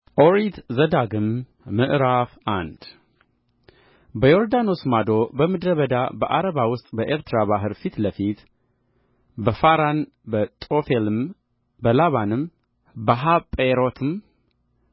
ኦሪት ዘዳግም ምዕራፍ አንድ በዮርዳኖስ ማዶ በምድረ በዳ በዓረባ ውስጥ በኤርትራ ባሕር ፊት ለፊት በፋራን በጦፌልም በላባንም በሐጼሮትም